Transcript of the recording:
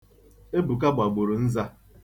Ebuka gbagburu nza.